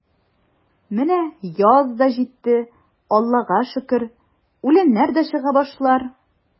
Менә яз да житте, Аллага шөкер, үләннәр чыга башлар.